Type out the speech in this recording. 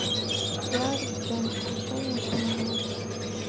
ярик кент крушение самолета